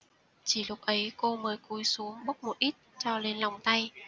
chỉ lúc ấy cô mới cúi xuống bốc một ít cho lên lòng tay